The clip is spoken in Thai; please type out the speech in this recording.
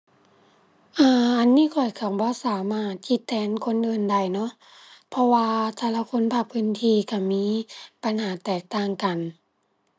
อ่า อันนี้ข้อยก็บ่สามารถคิดแทนคนอื่นได้เนาะ เพราะว่าแต่ละคนภาคพื้นที่ก็มี ปัญหาแตกต่างกัน